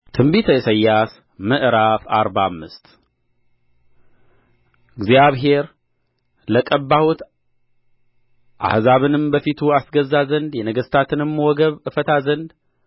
ትንቢተ ኢሳይያስ ምዕራፍ አርባ አምስት እግዚአብሔር ለቀባሁት አሕዛብንም በፊቱ አስገዛ ዘንድ የነገሥታትንም ወገብ እፈታ ዘንድ